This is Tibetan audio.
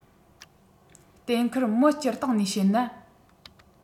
གཏན འཁེལ མི སྤྱིར བཏང ནས བཤད ན